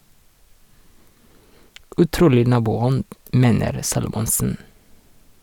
Utrolig naboånd, mener Salomonsen.